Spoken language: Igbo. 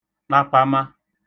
ṭapama